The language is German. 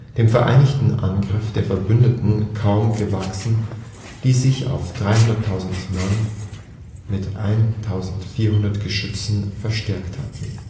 dem vereinigten Angriff der Verbündeten kaum gewachsen, die sich auf 300.000 Mann mit 1.400 Geschützen verstärkt hatten